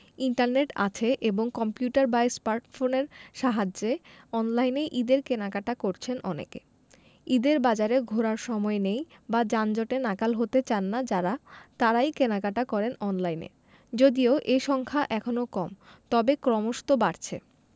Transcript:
internet আছে এমন computer বা স্মার্টফোনের সাহায্যে অনলাইনে ঈদের কেনাকাটা করছেন অনেকে ঈদের বাজারে ঘোরার সময় নেই বা যানজটে নাকাল হতে চান না যাঁরা তাঁরাই কেনাকাটা করেন অনলাইনে যদিও এ সংখ্যা এখনো কম তবে ক্রমশত বাড়ছে